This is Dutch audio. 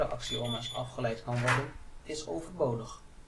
axioma 's afgeleid kan worden is overbodig